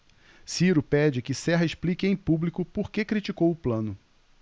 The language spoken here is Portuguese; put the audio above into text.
ciro pede que serra explique em público por que criticou plano